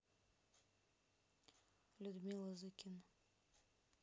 людмила зыкина